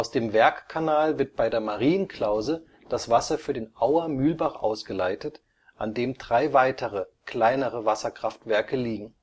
dem Werkkanal wird bei der Marienklause das Wasser für den Auer Mühlbach ausgeleitet, an dem drei weitere, kleinere Wasserkraftwerke liegen